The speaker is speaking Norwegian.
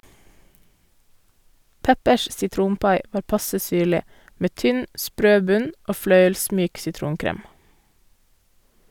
Peppers sitronpai var passe syrlig, med tynn, sprø bunn og fløyelsmyk sitronkrem.